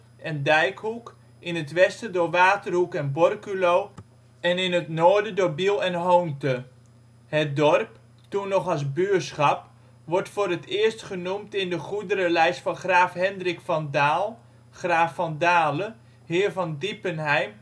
en Dijkhoek, in het westen door Waterhoek en Borculo en in het noorden door Biel en Hoonte. Het dorp, toen nog als buurschap, wordt voor het eerst genoemd in de goederenlijst van graaf Hendrik van Dahl (graaf van Dale), heer van Diepenheim